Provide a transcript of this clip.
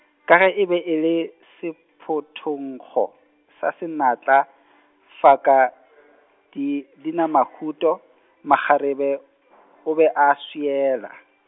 ka ge e be e le sephothonkgo, sa senatla, Fakadi- -dinamahuto, makgarebe o be a a swiela.